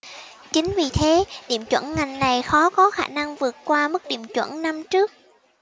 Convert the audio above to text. chính vì thế điểm chuẩn ngành này khó có khả năng vượt qua mức điểm chuẩn năm trước